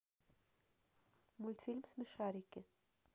мультфильм смешарики